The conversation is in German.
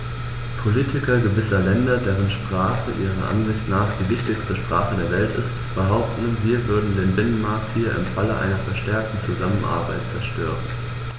Politiker gewisser Länder, deren Sprache ihrer Ansicht nach die wichtigste Sprache der Welt ist, behaupten, wir würden den Binnenmarkt hier im Falle einer verstärkten Zusammenarbeit zerstören.